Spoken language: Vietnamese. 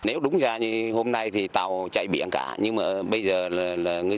nếu đúng ra thì hôm nay thì tàu chạy biển cả nhưng mà bây giờ là là ngư